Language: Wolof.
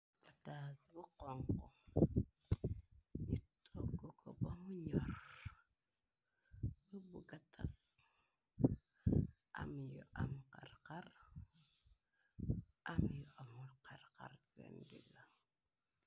ataas bu konk ni togg ko bamu ñor bë bu gatas am y x am yu amul xarxar seen dila